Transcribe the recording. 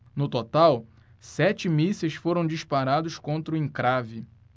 no total sete mísseis foram disparados contra o encrave